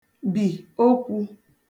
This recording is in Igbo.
bì okwū